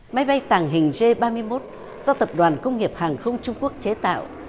máy bay tàng hình dê ba mươi mốt do tập đoàn công nghiệp hàng không trung quốc chế tạo